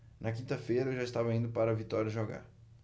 na quinta-feira eu já estava indo para vitória jogar